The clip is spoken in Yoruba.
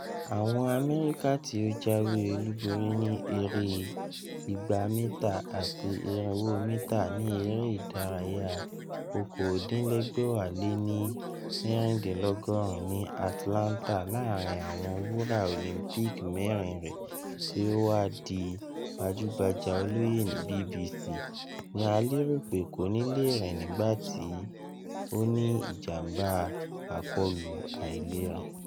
Awọn Amẹrika, ti o jawe olubori ni ere 200 mita ati 400 mita ni Ere Idaraya 1996 ni Atlanta laarin awọn wura Olympic mẹrin rẹ ti o wa di gbajugbaja oloye ni BBC, ni a lero pe koni le rin nigba ti o ni ijamba akọlu ailerin.